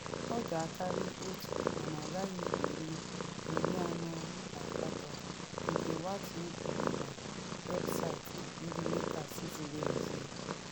“Ọ ga-akarị otu mana ọ gaghị eru 48,” nke Walton kwuru na weebụsaịtị ndị Lakers ziri ezi.